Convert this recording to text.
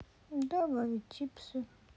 добавить чипсы